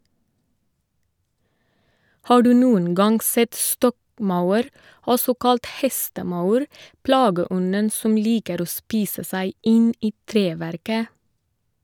Har du noen gang sett stokkmaur, også kalt hestemaur, plageånden som liker å spise seg inn i treverket?